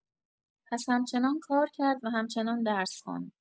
پس همچنان کار کرد و همچنان درس خواند.